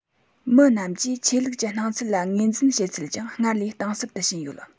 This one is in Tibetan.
མི རྣམས ཀྱིས ཆོས ལུགས ཀྱི སྣང ཚུལ ལ ངོས འཛིན བྱེད ཚད ཀྱང སྔར ལས གཏིང ཟབ ཏུ ཕྱིན ཡོད